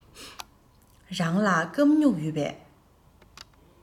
རང ལ སྐམ སྨྱུག ཡོད པས